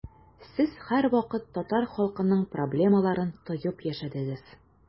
Сез һәрвакыт татар халкының проблемаларын тоеп яшәдегез.